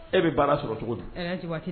E bɛ baara sɔrɔ cogo di